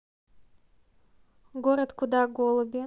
город куда голуби